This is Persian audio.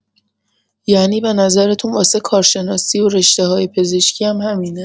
ینی به نظرتون واسه کارشناسی و رشته‌های پزشکی هم همینه؟